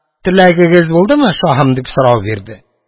Теләгегез булдымы, шаһым?! – дип сорау бирде.